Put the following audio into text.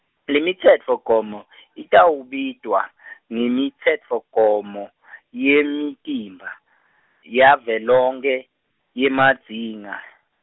Lemitsetfomgomo , itawubitwa , ngemitsetfomgomo , yemitimba, yavelonkhe, yemazinga.